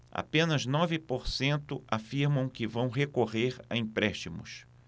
apenas nove por cento afirmam que vão recorrer a empréstimos